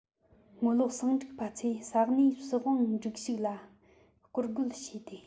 ངོ ལོག ཟིང འཁྲུག པ ཚོས ས གནས སྲིད དབང སྒྲིག གཞི ལ བསྐོར རྒོལ བྱས ཏེ